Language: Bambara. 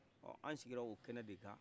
ɔ an sigi le o kɛnɛ min kan